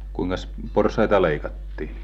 kuinkas porsaita leikattiin